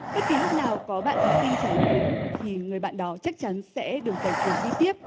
bất kỳ lúc nào có bạn thí sinh trả lời đúng thì người bạn đó chắc chắn sẽ được giành quyền đi tiếp